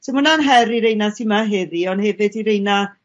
so ma' wnna'n her i reina sy 'ma heddi on' hefyd i reina